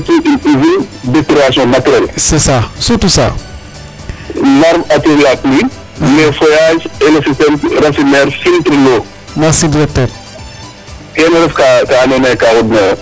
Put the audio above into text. kene ref ka andoona yee ka wodnayo